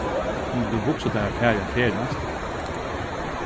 kundi tú hugsað tær at farið at ferðast